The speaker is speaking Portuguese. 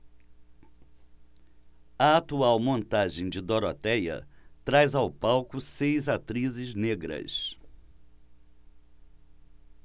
a atual montagem de dorotéia traz ao palco seis atrizes negras